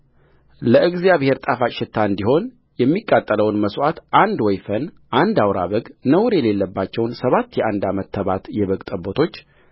ለእግዚአብሔር ጣፋጭ ሽታ እንዲሆን የሚቃጠለውን መሥዋዕት አንድ ወይፈን አንድ አውራ በግ ነውር የሌለባቸውን ሰባት የአንድ ዓመት ተባት የበግ ጠቦቶች